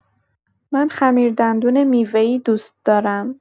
من خمیردندون میوه‌ای دوست دارم.